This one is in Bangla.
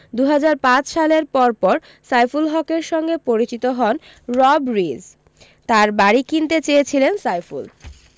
২০০৫ সালের পরপর সাইফুল হকের সঙ্গে পরিচিত হন রব রিজ তাঁর বাড়ি কিনতে চেয়েছিলেন সাইফুল